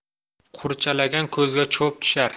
qurchalagan ko'zga cho'p tushar